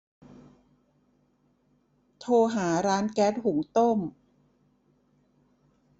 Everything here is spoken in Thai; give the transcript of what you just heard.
โทรหาร้านแก๊สหุงต้ม